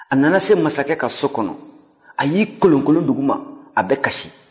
a nana se masakɛ ka so kɔnɔ a y'i kolonkolon dugu ma a bɛ kasi